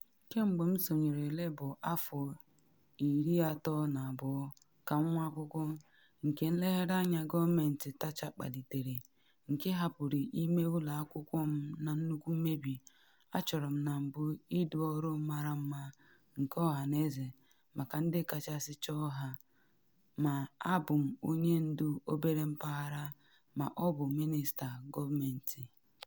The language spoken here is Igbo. Kemgbe m sonyere Labour afọ 32 ka nwa akwụkwọ, nke nlegharị anya gọọmentị Thatcher kpalitere, nke hapụrụ ime ụlọ akwụkwọ m na nnukwu mmebi, achọrọ m na mbụ idu ọrụ mara mma nke ọhaneze maka ndị kachasị chọọ ha - ma abụ m onye ndu obere mpaghara ma ọ bụ minista gọọmentị.